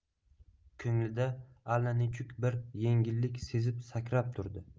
ko'nglida allanechuk bir yengillik sezib sakrab turdi